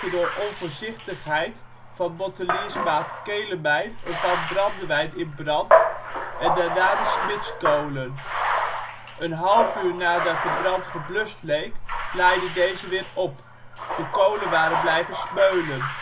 door onvoorzichtigheid van botteliersmaat Keelemeyn een vat brandewijn in brand en daarna de smidskolen. Een half uur nadat de brand geblust leek laaide deze weer op; de kolen waren blijven smeulen